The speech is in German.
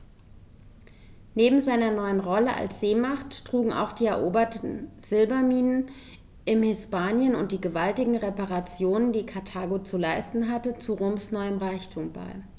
Neben seiner neuen Rolle als Seemacht trugen auch die eroberten Silberminen in Hispanien und die gewaltigen Reparationen, die Karthago zu leisten hatte, zu Roms neuem Reichtum bei.